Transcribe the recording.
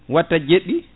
watta jeeɗiɗi